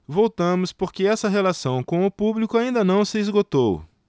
voltamos porque essa relação com o público ainda não se esgotou